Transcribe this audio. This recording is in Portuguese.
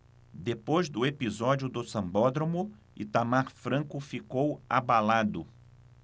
depois do episódio do sambódromo itamar franco ficou abalado